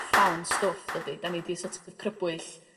llawn stwff dydi 'dan ni 'di so't of crybwyll